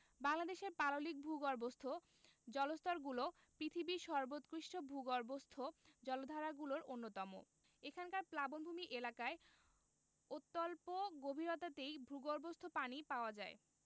বাংলাদেশের পাললিক ভূগর্ভস্থ জলস্তরগুলো পৃথিবীর সর্বোৎকৃষ্টভূগর্ভস্থ জলাধারগুলোর অন্যতম এখানকার প্লাবনভূমি এলাকায় অত্যল্প গভীরতাতেই ভূগর্ভস্থ পানি পাওয়া যায়